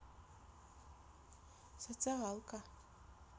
социалка